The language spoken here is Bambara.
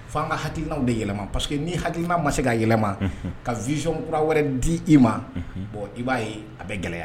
Fo' an ka hakilinaw de yɛlɛma parce que ni hakilina ma se ka yɛlɛma, unhun, ka vision kura wɛrɛ d'i ma, unhun, bon i b'a ye a bɛ gɛlɛya.